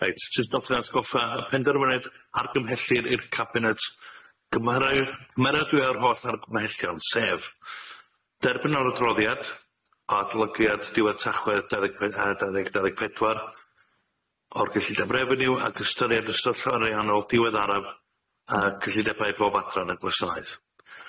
Reit jyst wnaethon ni atgoffa y penderfyniad argymhellir i'r cabinet, gymery- gymeradwyo'r holl argymhellion sef: derbyn y'r adroddiad a adolygiad diwedd Tachwedd dau ddeg pe- a dau ddeg dau ddeg pedwar o'r gyllideb refeniw ac ystyried y stwff ariannol diweddaraf a gellid ebaid pob adran y gwasanaeth.